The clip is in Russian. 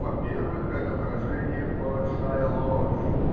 Во-первых, это выражение -- большая ложь.